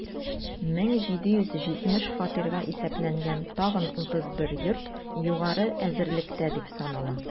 1770 фатирга исәпләнгән тагын 31 йорт югары әзерлектә дип санала.